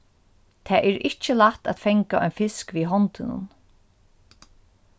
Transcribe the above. tað er ikki lætt at fanga ein fisk við hondunum